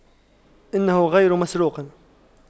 انه غير مسروق